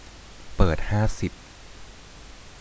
เปิดห้าสิบ